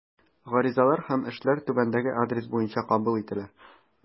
Гаризалар һәм эшләр түбәндәге адрес буенча кабул ителә.